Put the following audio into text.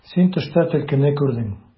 Син төштә төлкене күрдең.